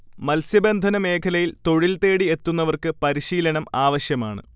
മത്സ്യബന്ധന മേഖലയിൽ തൊഴിൽതേടി എത്തുന്നവർക്ക് പരിശീലനം ആവശ്യമാണ്